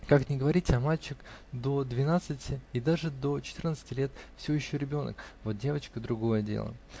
-- Как ни говорите, а мальчик до двенадцати и даже до четырнадцати лет все еще ребенок вот девочка -- другое дело.